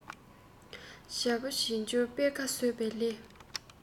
བྱི བ བྱིའུ འཇོལ པད ཁ ཟོས པས ལན